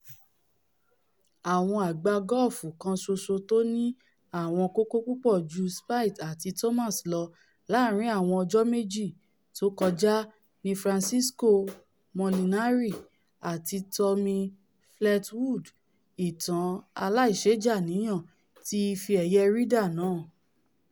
̀Àwọn agbá̀ gọ́ọ̀fù kan ṣoṣo tóní àwọn kókó púpọ̀ ju Spieth àti Thomas lọ láàrin àwọn ọjọ́ méjì tókọjá ni Francesco Molinari à̵ti Tommy Fleetwood, ìtàn aláìṣeéjàníyàn ti Ìfe-ẹ̀yẹ́ Ryder náà.